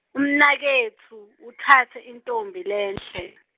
umnaketfu, utsatse intfombi lenhle.